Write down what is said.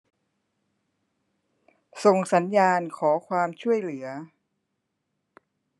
ส่งสัญญาณขอความช่วยเหลือ